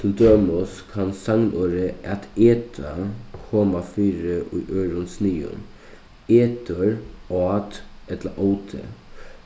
til dømis kann sagnorðið at eta koma fyri í øðrum sniðum etur át ella ótu